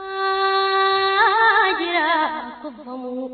San wainɛ